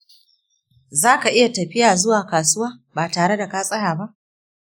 zaka iya tafiya zuwa kasuwa ba tare da ka tsaya ba?